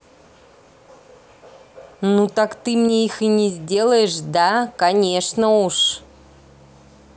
ну так ты мне их и не сделаешь да конечно уж